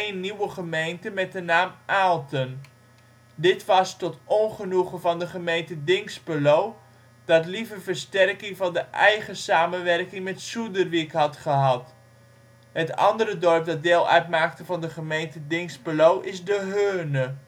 nieuwe gemeente met de naam Aalten. Dit was tot ongenoegen van de gemeente Dinxperlo, dat liever versterking van de eigen samenwerking met Suderwick had gehad. Het andere dorp dat deel uitmaakte van de gemeente Dinxperlo, is De Heurne